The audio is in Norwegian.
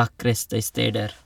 vakreste steder.